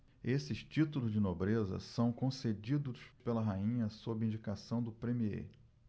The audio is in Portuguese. esses títulos de nobreza são concedidos pela rainha sob indicação do premiê